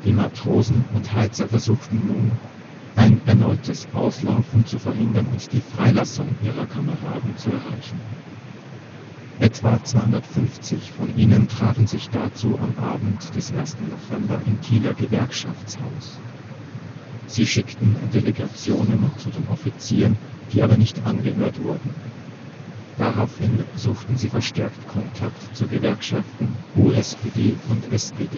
Matrosen und Heizer versuchten nun, ein erneutes Auslaufen zu verhindern und die Freilassung ihrer Kameraden zu erreichen. Etwa 250 von ihnen trafen sich dazu am Abend des 1. November im Kieler Gewerkschaftshaus. Sie schickten Delegationen zu den Offizieren, die aber nicht angehört wurden. Daraufhin suchten sie verstärkt Kontakt zu Gewerkschaften, USPD und SPD